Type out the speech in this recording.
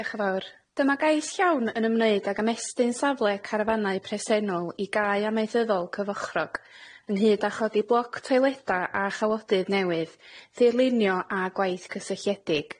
Diolch yn fawr. Dyma gais llawn yn ymwneud ag ymestyn safle carfanau presennol i gae amaethyddol cyfochrog, ynghyd â chodi bloc toileda a chawodydd newydd, tirlunio, a gwaith cysylltiedig.